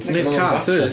Wneith cath hefyd.